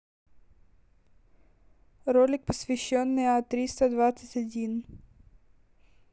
ролик посвященный а триста двадцать один